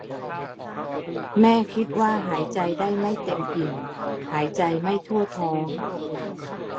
แม่คิดว่าหายใจได้ไม่เต็มอิ่มหายใจไม่ทั่วท้อง